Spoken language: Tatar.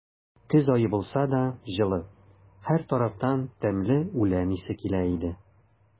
Көз ае булса да, җылы; һәр тарафтан тәмле үлән исе килә иде.